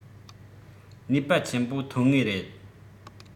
ནུས པ ཆེན པོ ཐོན ངེས རེད